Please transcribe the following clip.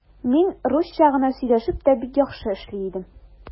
Мин русча гына сөйләшеп тә бик яхшы эшли идем.